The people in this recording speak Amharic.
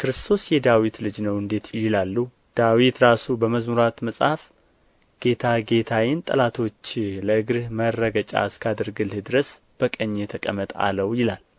ክርስቶስ የዳዊት ልጅ ነው እንዴት ይላሉ ዳዊትም ራሱ በመዝሙራት መጽሐፍ ጌታ ጌታዬን ጠላቶችህን ለእግርህ መርገጫ እስካደርግልህ ድረስ በቀኜ ተቀመጥ አለው ይላል